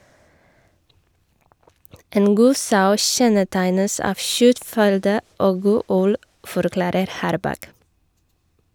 - En god sau kjennetegnes av kjøttfylde og god ull, forklarer Harbakk.